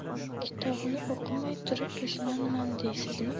kitobini o'qimay turib dushmanman deysizmi